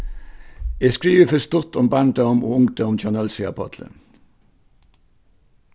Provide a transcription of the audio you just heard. eg skrivi fyrst stutt um barndóm og ungdóm hjá nólsoyar pálli